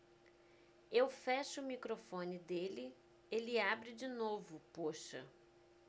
eu fecho o microfone dele ele abre de novo poxa